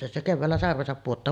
ja se keväällä sarvensa pudottaa